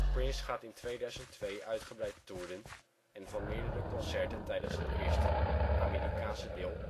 gaat in 2002 uitgebreid toeren en van meerdere concerten tijdens het eerste, Amerikaanse deel